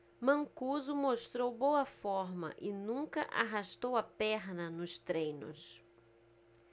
mancuso mostrou boa forma e nunca arrastou a perna nos treinos